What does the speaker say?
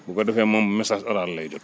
bu ko defee moom message oral lay jot